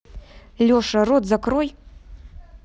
леша рот закрой